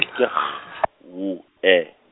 ke G W E.